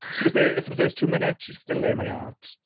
She was there for the first two minutes, she's still there in my heart.